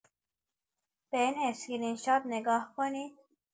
به این اسکرین‌شات نگاه کنید.